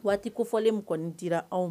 Waati kofɔlen mun kɔni dira anw m